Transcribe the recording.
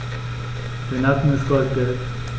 Der Nacken ist goldgelb.